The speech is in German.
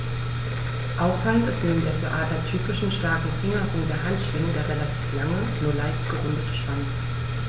Auffallend ist neben der für Adler typischen starken Fingerung der Handschwingen der relativ lange, nur leicht gerundete Schwanz.